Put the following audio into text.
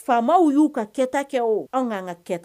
Faama y'u ka kɛta kɛ o anw k'an ka kɛta